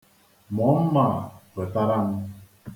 Mụọ mma a wetara m.